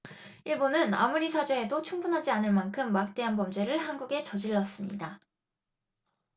일본은 아무리 사죄해도 충분하지 않을 만큼 막대한 범죄를 한국에 저질렀습니다